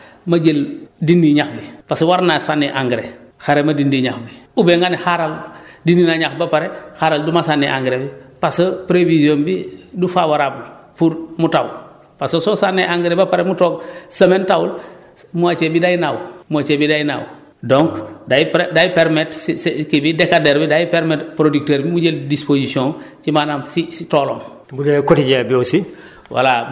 donc mun na la tax nga ne xaaral ma jël dindi ñax bi parce que war naa sànni engrais xaaral ma dindi ñax bi oubien nga ne xaaral dindi naa ñax ba pare xaaral du ma sànni engrais parce que prévision bi du favorable pour m taw parce que soo sànnee engrais ba pare mu toog semaine tawul moitié bi day naaw motié bi day naaw donc day per day permettre si sa kii bi décadaire bi day permettre producteur bi mu jël disposition am ci maanaam ci si toolam